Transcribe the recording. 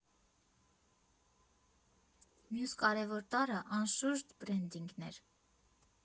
Մյուս կարևոր տարրը, անշուշտ, բրենդինգն էր։